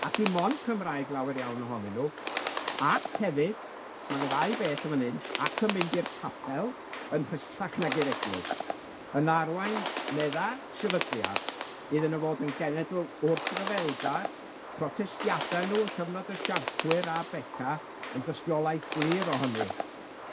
a dim ond Cymraeg lawer iawn ohonyn nw, ac hefyd, ma' 'na ddau beth yn fan 'yn, ac yn mynd i'r capel yn hystrach nag i'r eglwys, yn arwain medda'r sefydliad iddyn nw fod yn genedl wrthryfelgar, protestiada n'w yn cyfnod y Siartwyr a Beca yn dystiolaeth glir o hynny.